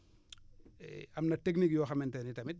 am na technique yoo xamante ne tamit